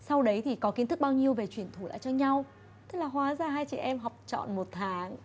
sau đấy thì có kiến thức bao nhiêu về truyền thụ lại cho nhau thế là hóa ra hai chị em học trọn một tháng